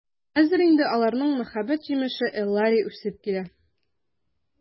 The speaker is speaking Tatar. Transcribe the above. Хәзер инде аларның мәхәббәт җимеше Эллари үсеп килә.